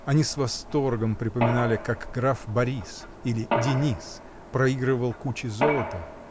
Они с восторгом припоминали, как граф Борис или Денис проигрывал кучи золота